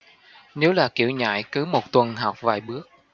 nếu là kiểu nhảy cứ một tuần học vài bước